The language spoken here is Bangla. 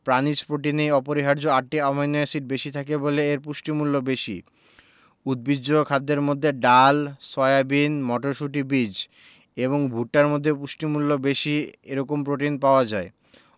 প্রাণিজ প্রোটিনে এই অপরিহার্য আটটি অ্যামাইনো এসিড বেশি থাকে বলে এর পুষ্টিমূল্য বেশি উদ্ভিজ্জ খাদ্যের মধ্যে ডাল সয়াবিন মটরশুটি বীজ এবং ভুট্টার মধ্যে পুষ্টিমূল্য বেশি এরকম প্রোটিন পাওয়া যায়